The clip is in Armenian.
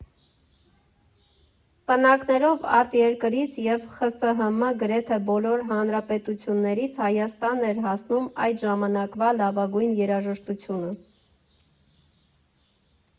Պնակներով արտերկրից և ԽՍՀՄ գրեթե բոլոր հանրապետություններից Հայաստան էր հասնում այդ ժամանակվա լավագույն երաժշտությունը։